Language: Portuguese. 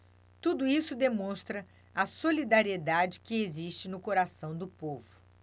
tudo isso demonstra a solidariedade que existe no coração do povo